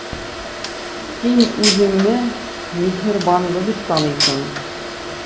Син үзеңне миһербанлы дип саныйсың.